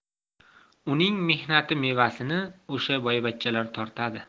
uning mehnati mevasini usha boyvachchalar tortadi